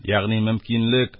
Ягни мөмкинлек